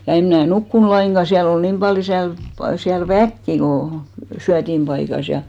ja en minä nukkunut lainkaan siellä oli niin paljon siellä siellä väkeä kun syötinpaikassa ja